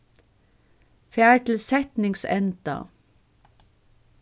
far til setningsenda